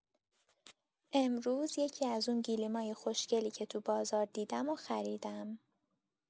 امروز یکی‌از اون گلیم‌های خوشگلی که تو بازار دیدم رو خریدم.